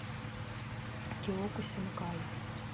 кеоку синкай